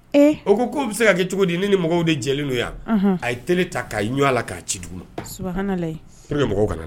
O ko' bɛ se ka kɛ cogo di ni mɔgɔw de jeli' yan a ye teli ta k'a ɲɔ la k'a ci dugu mɔgɔw ka na